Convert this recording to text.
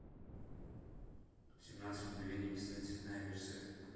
семнадцать мгновений весны цветная версия